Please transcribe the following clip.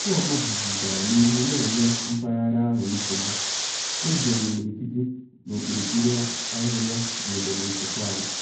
Nnukwu ọmajiji gara n’ihu na enye mpaghara ahụ nsogbu, ejidere imirikiti n’okpuru ahịhịa n’obodo nke Palu.